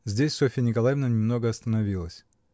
Здесь Софья Николаевна немного остановилась.